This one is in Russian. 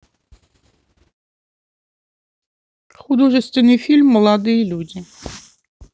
художественный фильм молодые люди